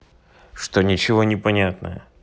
что ничего не понятно